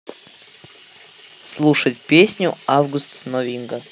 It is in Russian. слушать песню август новинка